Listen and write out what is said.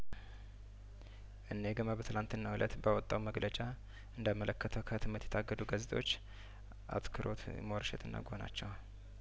ኢነገማ በትናንትናው እለት ባወጣው መግለጫ እንዳ መለከተው ከህትመት የታገዱ ጋዜጦች አትኩሮት ሞረ ሸትና ጐህ ናቸው